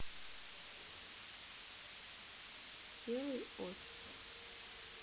сделай офис